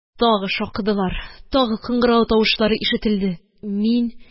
Тагы шакыдылар. Тагы кыңгырау тавышлары ишетелде. Мин